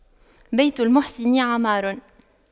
بيت المحسن عمار